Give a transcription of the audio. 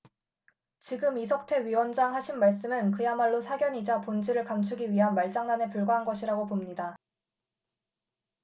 지금 이석태 위원장 하신 말씀은 그야말로 사견이자 본질을 감추기 위한 말장난에 불과한 것이라고 봅니다